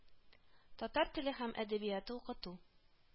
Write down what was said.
Татар теле һәм әдәбияты укыту